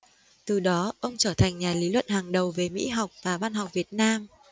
từ đó ông trở thành nhà lý luận hàng đầu về mỹ học và văn học việt nam